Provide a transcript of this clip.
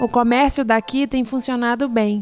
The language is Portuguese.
o comércio daqui tem funcionado bem